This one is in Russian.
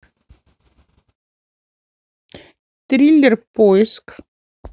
триллер поиск